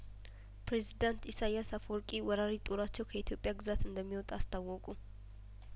ፕሬዚዳንት ኢሳያስ አፈወርቂ ወራሪ ጦራቸው ከኢትዮጵያ ግዛት እንደሚወጣ አስታወቁ